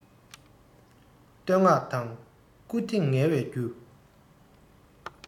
བསྟོད བསྔགས དང བཀུར བསྟི ངལ བའི རྒྱུ